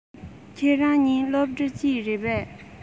ཁྱེད རང གཉིས སློབ གྲ གཅིག རེད པས